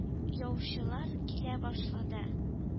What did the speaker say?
Яучылар килә башлады